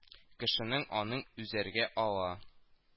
Кешенең аңын үзәргә ала